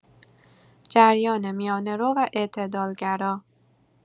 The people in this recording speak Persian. جریان میانه‌رو و اعتدالگرا